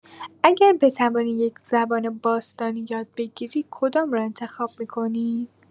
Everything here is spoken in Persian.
اگر بتوانی یک‌زبان باستانی یاد بگیری کدام را انتخاب می‌کنی؟